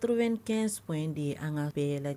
Torobɛn kɛugan in de ye an ka bɛɛ lajɛ